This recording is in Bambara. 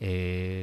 Unhun